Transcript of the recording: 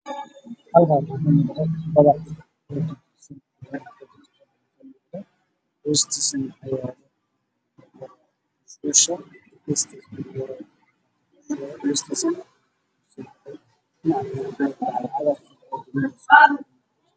Waa guri dudunsan oo dabaq ah